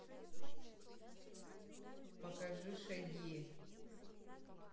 покажи шаги